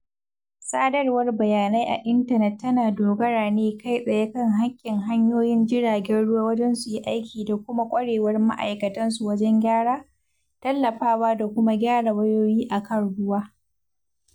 Sadarwar bayanai a intanet tana dogara ne kai tsaye kan haƙƙin hanyoyin jiragen ruwa wajen su yi aiki da kuma ƙwarewar ma’aikatansu wajen gyara, tallafawa da kuma gyara wayoyi akan ruwa.